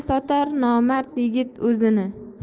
sotar nomard yigit o'zini